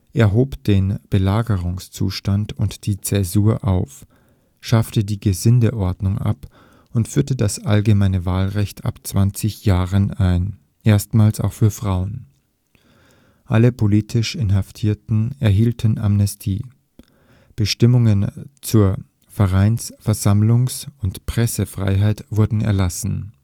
Er hob den Belagerungszustand und die Zensur auf, schaffte die Gesindeordnung ab und führte das allgemeine Wahlrecht ab 20 Jahren ein, erstmals auch für Frauen. Alle politisch Inhaftierten erhielten Amnestie. Bestimmungen zur Vereins -, Versammlungs - und Pressefreiheit wurden erlassen